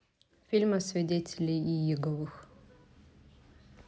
фильмы свидетелей иеговы